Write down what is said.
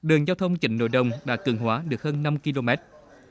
đường giao thông chỉnh lộ đồng đã cứng hóa được hơn năm ki lô mét